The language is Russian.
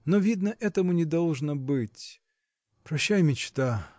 но, видно, этому не должно быть. Прощай, мечта!